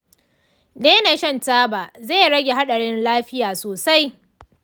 daina shan taba zai rage haɗarin lafiya sosai.